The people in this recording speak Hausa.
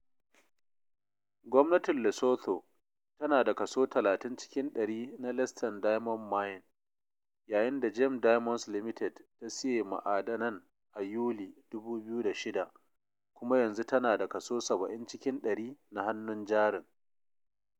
Gwamnatin Lesotho tana da kaso 30 cikin 100 na Letšeng Diamonds Mine, yayin da Gem Diamonds Limited ta siye ma’adanan a Yuli 2006 kuma yanzu tana da kaso 70 cikin 100 na hannun jarin.